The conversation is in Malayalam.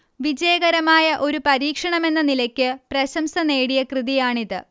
വിജയകരമായ ഒരു പരീക്ഷണമെന്ന നിലയ്ക്ക് പ്രശംസ നേടിയ കൃതിയാണിത്